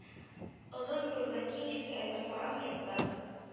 Озын буйлы, киң җилкәле, кара мыеклы